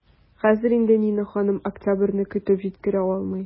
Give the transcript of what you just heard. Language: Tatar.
Хәзер инде Нина ханым октябрьне көтеп җиткерә алмый.